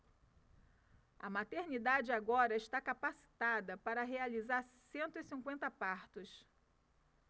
a maternidade agora está capacitada para realizar cento e cinquenta partos